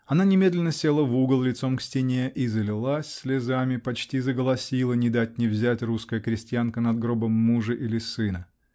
Она немедленно села в угол, лицом к стене, -- и залилась слезами, почти заголосила, ни дать ни взять русская крестьянка над гробом мужа или сына.